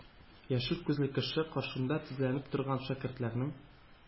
Яшел күзле кеше, каршында тезләнеп торган шәкертләрнең